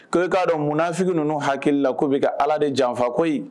Ko e k'a dɔn mun munnaunafi ninnuu hakili la k koo bɛ ka ala de janfa koyi